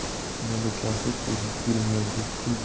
kinoda 'konfet' so'zi filmlarga pul